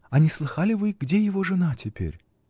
-- А не слыхали вы, где его жена теперь?